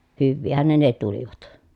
hyvinhän ne ne tulivat